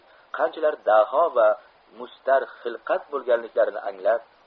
qanchalar daho va mustar xilqat bo'lganliklarini anglab